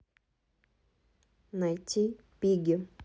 найти пигги